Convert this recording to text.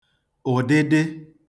ụ̀dịdị